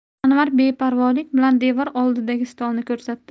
anvar beparvolik bilan devor oldidagi stolni ko'rsatdi